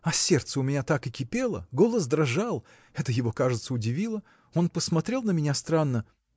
А сердце у меня так и кипело, голос дрожал. Это его, кажется, удивило. Он посмотрел на меня странно.